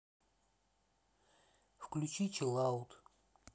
включи чилаут